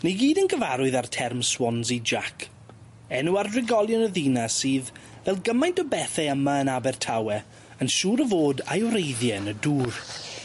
Ni gyd yn gyfarwydd â'r term Swansea Jack enw ar drigolion y ddinas sydd fel gymaint o bethe yma yn Abertawe yn siŵr o fod a'i wreiddie yn y dŵr.